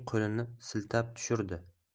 qo'lini siltab tushirdi